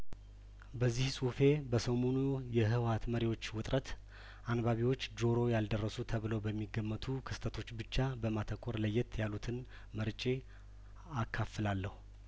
በዚህ ጹሁፌ በሰሞኑ የህወሀት መሪዎች ውጥረት አንባቢዎች ጆሮ ያልደረሱ ተብለው በሚገመቱ ክስተቶች ብቻ በማተኮር ለየት ያሉትን መርጬ አካፍላለሁ